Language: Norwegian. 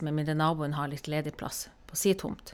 Med mindre naboen har litt ledig plass på si tomt.